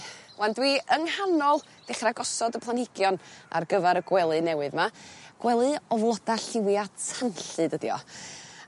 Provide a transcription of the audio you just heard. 'Wan dwi yng nghanol dechra gosod y planhigion ar gyfar y gwely newydd 'ma gwely o floda lliwia tanllyd ydi o.